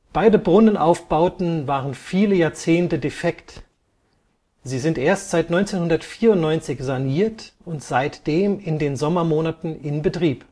Beide Brunnenaufbauten waren viele Jahrzehnte defekt, sie sind erst seit 1994 saniert und seitdem in den Sommermonaten in Betrieb